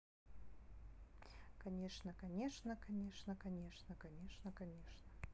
конечно конечно конечно конечно конечно конечно